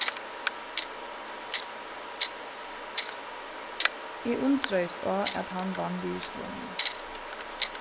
eg undraðist á at hann vann virðislønina